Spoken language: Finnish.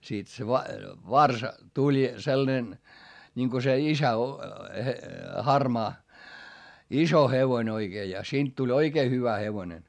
siitä se - varsa tuli sellainen niin kun se isä -- harmaa iso hevonen oikein ja siitä tuli oikein hyvä hevonen